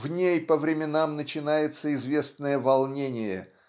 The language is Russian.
в ней по временам начинается известное волнение